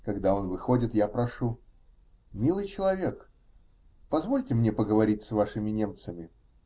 Когда он выходит, я прошу: -- Милый человек, позвольте мне поговорить с вашими немцами.